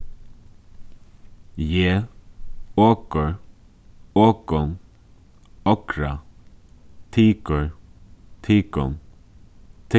eg okur okum okra tykur tykum